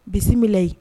Bisimila bɛ yen